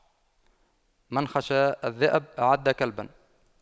من خشى الذئب أعد كلبا